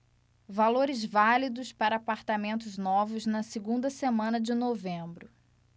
valores válidos para apartamentos novos na segunda semana de novembro